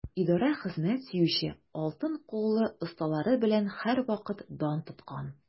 Идарә хезмәт сөюче, алтын куллы осталары белән һәрвакыт дан тоткан.